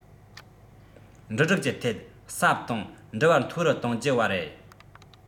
འབྲུ རིགས ཀྱི ཐད གསབ དང འབྲུ བར མཐོ རུ གཏོང རྒྱུ བར རེད